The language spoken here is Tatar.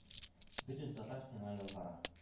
Бөтен татар сиңа ялвара